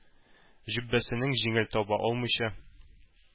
Җөббәсенең җиңен таба алмыйча,